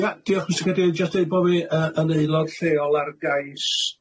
Ia, diolch Mr Cadeirydd, jyst deud bo' fi yy yn aelod lleol ar gais,